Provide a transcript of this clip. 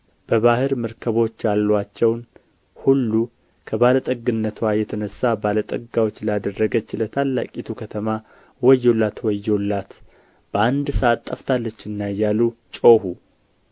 በባሕር መርከቦች ያሉአቸውን ሁሉ ከባለ ጠግነትዋ የተነሣ ባለ ጠጋዎች ላደረገች ለታላቂቱ ከተማ ወዮላት ወዮላት በአንድ ሰዓት ጠፍታለችና እያሉ ጮኹ